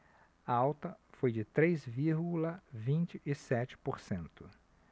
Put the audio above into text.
a alta foi de três vírgula vinte e sete por cento